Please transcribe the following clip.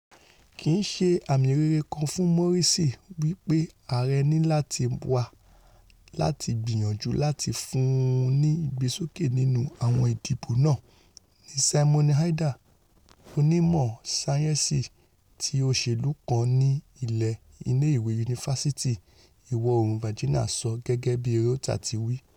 Kìí ṣe àmì rere kan fún Morrisey wí pé àarẹ̵ níláti wá láti gbìyànjú láti fún un ní ìgbésókè nínú àwọn ìdìbò náà,'' ni Simon Haeder, onímọ̀ sáyẹ́ǹsì ti òṣèlú kan ní ilé ìwé Yunifasiti Ìwọ-oòrùn Virginia sọ gẹ́gẹ́bí Reuters ti wí.